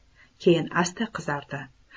keyin asta qizardi